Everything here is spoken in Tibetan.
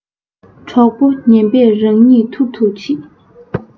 གྲོགས པོ ངན པས རང ཉིད ཐུར དུ འཁྲིད